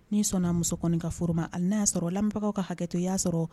N'i sɔnna muso kɔni ka foro ma ale na y'a sɔrɔ lambagaw ka hakɛ to y'a sɔrɔ